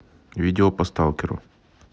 видео по сталкеру